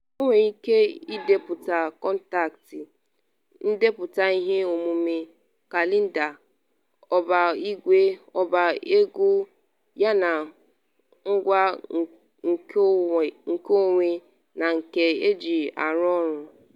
Ọ nwere ike inwe ndepụta kọntaktị, ndepụta ihe omume, kalenda, ọba egwu yana ngwa nkeonwe na nke eji arụ ọrụ.